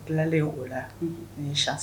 Tilalen o la nin san san